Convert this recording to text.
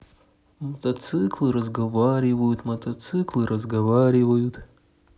мотоциклы разговаривают мотоциклы разговаривают